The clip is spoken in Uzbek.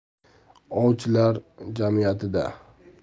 ovchilar jamiyatida